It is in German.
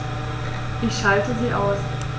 Ich schalte sie aus.